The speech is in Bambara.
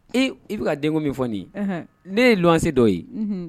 I bi ka den ko min fɔ nin ye, ne ye ka luwanse dɔw ye